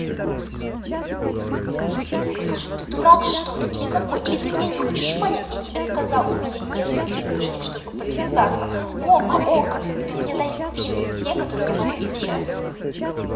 вот слушай ты дурак что ли или какой или ты меня не хочешь понять я тебе сказал у меня нет таких денег чтобы подвязаться okko okko ты мне дай фильмы те которые я могу без